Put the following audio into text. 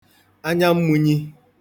anyammunyī